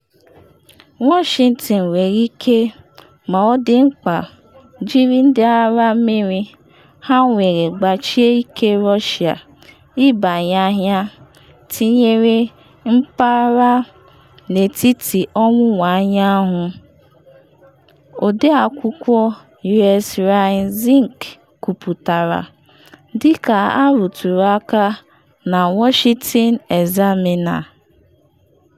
Washington nwere ike “ma ọ dị mkpa” jiri Ndị Agha Mmiri ha nwere gbachie ike Russia ibanye ahịa, tinyere Middle East, Ọde Akwụkwọ US Ryan Zinke kwuputara, dịka arụtụrụ aka na Washington Examiner.